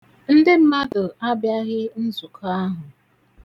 Ndị mmadụ abịaghị nzukọ ahụ.